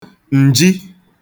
ǹji